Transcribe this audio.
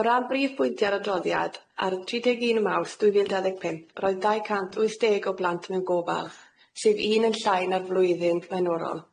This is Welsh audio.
O ran brif bwyntia'r adroddiad, ar y tri deg un Mawrth dwy fil dau ddeg pump roedd dau cant wyth deg o blant mewn gofal, sef un yn llai na'r flwyddyn flaenorol.